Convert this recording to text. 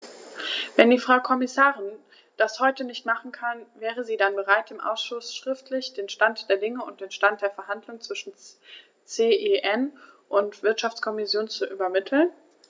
Wenn die Frau Kommissarin das heute nicht machen kann, wäre sie dann bereit, dem Ausschuss schriftlich den Stand der Dinge und den Stand der Verhandlungen zwischen CEN und Wirtschaftskommission zu übermitteln?